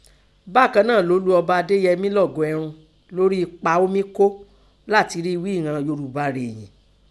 Bákàn náà ló lu ọba Adéyẹmí lọ́gọ ẹrun lórí ẹpa ó mí kó látin ríi ghíi ìnran Yoòbá rèyìn.